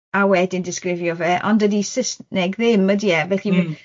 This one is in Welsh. a wedyn disgrifio fe, ond dydy Saesneg ddim, ydy e? Felly... Mm.